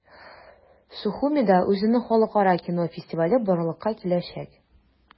Сухумида үзенең халыкара кино фестивале барлыкка киләчәк.